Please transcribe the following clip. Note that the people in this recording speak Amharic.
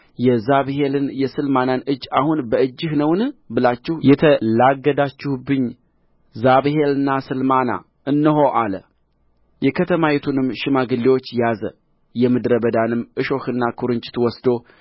የዛብሄልና የስልማና እጅ አሁን በእጅህ ነውን ብላችሁ የተላገዳችሁብኝ ዛብሄልና ስልማና እነሆ አለ የከተማይቱንም ሽማግሌዎች ያዘ የምድረ በዳንም እሾህና ኵርንችት ወስዶ